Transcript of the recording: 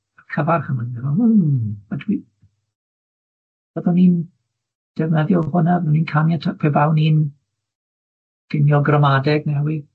Cyfarch felly byddwn i'n defnyddio hwnna, byddwn i'n caniaty- pe bawn i'n llunio gramadeg newy?